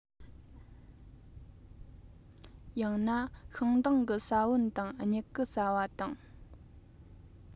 ཡང ན ཤིང སྡོང གི ས བོན དང མྱུ གུ ཟ བ དང